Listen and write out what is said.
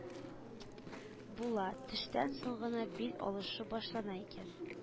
Була, төштән соң гына бил алышу башлана икән